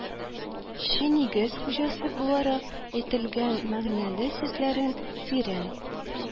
Че нигез хуҗасы буларак әйтелгән мәгънәле сүзләрен, тирән